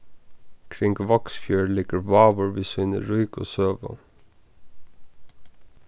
kring vágsfjørð liggur vágur við síni ríku søgu